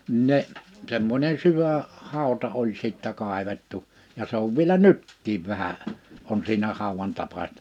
niin ne semmoinen syvä hauta oli sitten kaivettu ja se on vielä nytkin vähän on siinä haudan tapaista